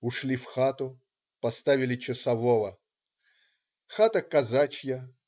Ушли в хату, поставили часового. Хата казачья.